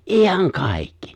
ihan kaikki